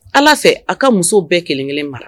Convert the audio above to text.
Ala fɛ a ka muso bɛɛ kelenkelen mara